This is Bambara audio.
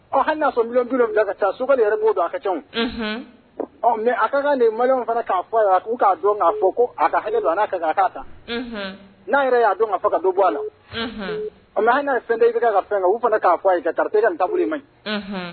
Ɔ hali y'a sɔrɔ ɲɔnɔn dun ka taa so yɛrɛ' don a ka cɛww mɛ a ka kan nin manyw fana'a fɔ''a dɔn k'a fɔ ko ka'a'a ta n'a yɛrɛ y'a dɔn ka fɔ ka don bɔ a la ye fɛn ka fɛn' fana k' fɔ a ye ka taa ka tamuru ma ɲi